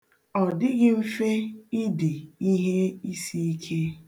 Ọ dịghị mfe idi ihe isiike.